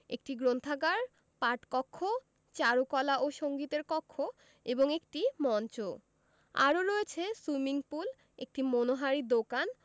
একটি গ্রন্থাগার পাঠকক্ষ চারুকলা ও সঙ্গীতের কক্ষ এবং একটি মঞ্চ আরও রয়েছে সুইমিং পুল একটি মনোহারী দোকান